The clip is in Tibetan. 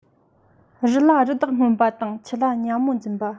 རི ལ རི དྭགས རྔོན པ དང ཆུ ལ ཉ མོ འཛིན པ